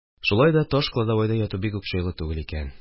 Шулай да таш кладовойда яту бигүк җайлы түгел икән.